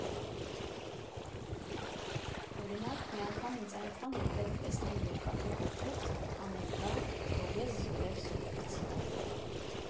Օրինակ, մի անգամ ինձ այնքան էր պետք տեսնել երկաթե կոնստրուկցիան, անել դա, որ ես զոդել սովորեցի։